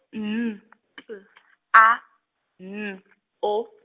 N , T , A, N , O.